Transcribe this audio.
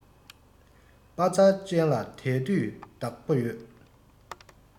དཔའ རྩལ ཅན ལ དལ དུས བདག པོ སྤྲོད